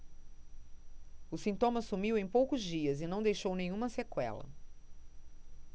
o sintoma sumiu em poucos dias e não deixou nenhuma sequela